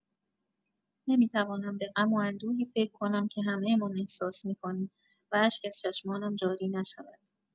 نمی‌توانم به غم و اندوهی فکر کنم که همه‌مان احساس می‌کنیم و اشک از چشمانم جاری نشود!